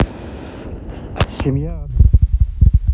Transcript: семья адамса